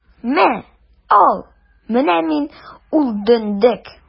Мә, ал, менә мин ул дөндек!